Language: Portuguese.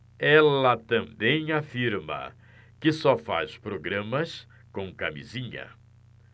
ela também afirma que só faz programas com camisinha